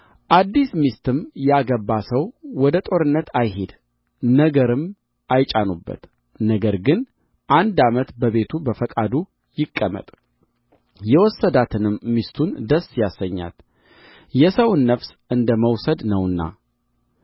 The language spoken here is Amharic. አዲስ ሚስትም ያገባ ሰው ወደ ጦርነት አይሂድ ነገርም አይጫኑበት ነገር ግን አንድ ዓመት በቤቱ በፈቃዱ ይቀመጥ የወሰዳትንም ሚስቱን ደስ ያሰኛት የሰውን ነፍስ እንደ መውሰድ ነውና